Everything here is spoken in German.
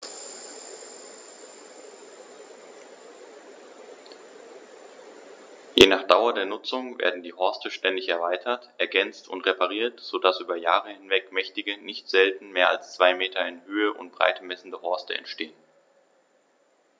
Je nach Dauer der Nutzung werden die Horste ständig erweitert, ergänzt und repariert, so dass über Jahre hinweg mächtige, nicht selten mehr als zwei Meter in Höhe und Breite messende Horste entstehen.